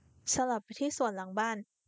สลับไปที่สวนหลังบ้าน